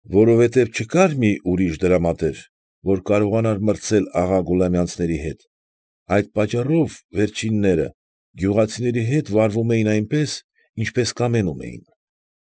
Որովհետև չկար մի ուրիշ դրամատեր, որ կարողանար մրցել աղա Գուլամյանցների հետ, այս պատճառով վերջինները գյուղացիների հետ վարվում էին այնպես, ինչպես կամենում էին։